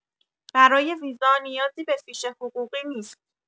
برای ویزا نیازی به فیش حقوقی نیست